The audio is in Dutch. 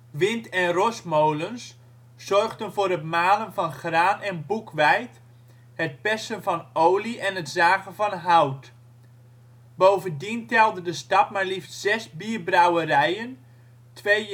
Wind - en rosmolens zorgden voor het malen van graan en boekweit het persen van olie en het zagen van hout. Bovendien telde de stad maar liefst zes bierbrouwerijen, twee jeneverstokerijen